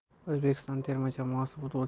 o'zbekiston terma jamoasi